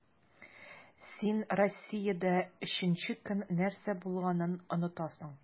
Син Россиядә өченче көн нәрсә булганын онытасың.